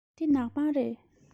འདི ནག པང རེད